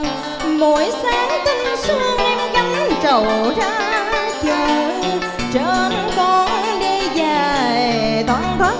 mỗi sáng tinh sương em gánh trầu ra chợ trên con đi về thoăn thoắt